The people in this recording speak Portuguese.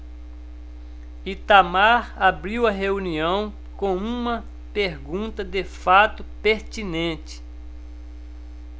itamar abriu a reunião com uma pergunta de fato pertinente